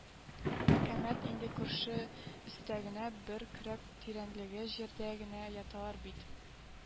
Әкәмәт инде, күрше, өстә генә, бер көрәк тирәнлеге җирдә генә яталар бит.